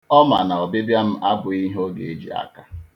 Ọ ma na ọbịbịa m abụghị ihe ọ ga-eji aka.